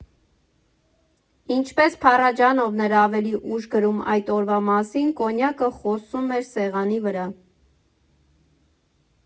Ինչպես Փարաջանովն էր ավելի ուշ գրում այդ օրվա մասին՝ կոնյակը հոսում էր սեղանի վրա։